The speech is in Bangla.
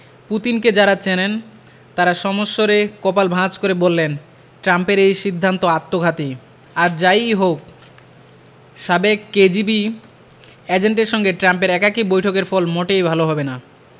পুতিনকে যাঁরা চেনেন তাঁরা সমস্বরে কপাল ভাঁজ করে বললেন ট্রাম্পের এই সিদ্ধান্ত আত্মঘাতী আর যা ই হোক সাবেক কেজিবি এজেন্টের সঙ্গে ট্রাম্পের একাকী বৈঠকের ফল মোটেই ভালো হবে না